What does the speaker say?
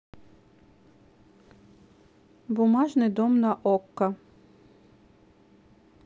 бумажный дом на окко